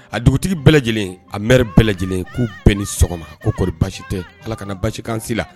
A dugutigi bɛɛ lajɛlen ame bɛɛ lajɛlen k'u bɛn ni sɔgɔma koɔri basi tɛ ala kana basikan la